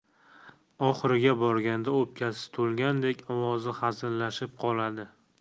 oxiriga borganda o'pkasi to'lgandek ovozi xazinlashib qoladi